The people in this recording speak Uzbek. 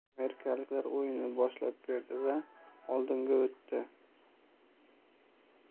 amirliklar o'yinni boshlab berdi va oldinga o'tdi